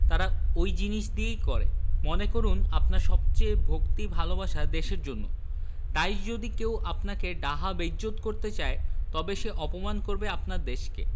তারা ওই জিনিস দিয়েই করে মনে করুন আপনার সবচেয়ে ভক্তি ভালবাসা দেশের জন্য তাই যদি কেউ আপনাকে ডাহা বেইজ্জত্ করতে চায় তবে সে অপমান করবে আপনার দেশকে